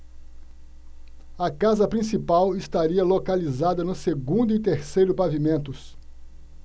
a casa principal estaria localizada no segundo e terceiro pavimentos